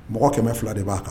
Mɔgɔ kɛmɛ fila de b'a kan